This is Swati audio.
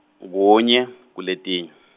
kunye kuletinye.